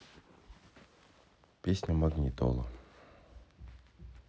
песня магнитола